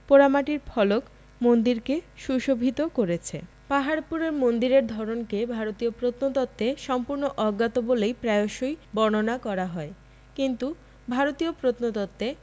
পোড়ামাটির ফলক মন্দিরকে সুশোভিত করেছে পাহাড়পুরের মন্দিরের ধরনকে ভারতীয় প্রত্নতত্ত্বে সম্পূর্ণ অজ্ঞাত বলে প্রায়শই বর্ণনা করা হয় কিন্তু ভারতীয় প্রত্নতত্ত্বে